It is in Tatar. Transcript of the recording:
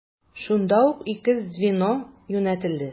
Шунда ук ике звено юнәтелде.